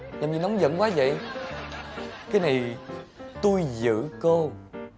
làm gì nóng giận quá dậy cái nì tôi giữ cô